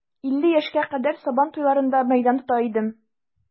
Илле яшькә кадәр сабан туйларында мәйдан тота идем.